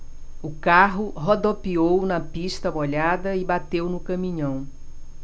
o carro rodopiou na pista molhada e bateu no caminhão